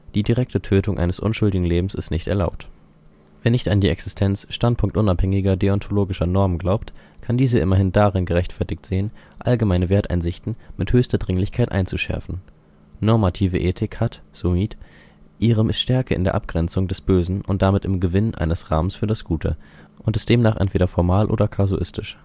die direkte Tötung eines unschuldigen Lebens ist nicht erlaubt). Wer nicht an die Existenz (standpunktunabhängiger) deontologischer Normen glaubt, kann diese immerhin darin gerechtfertigt sehen, allgemeine Werteinsichten mit höchster Dringlichkeit einzuschärfen. Normative Ethik hat, so Mieth, ihre Stärke in der Abgrenzung des Bösen und damit im Gewinn eines Rahmens für das Gute und ist demnach entweder formal oder kasuistisch